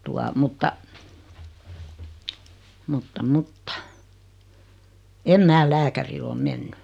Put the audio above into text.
tuota mutta mutta mutta en minä lääkärille ole mennyt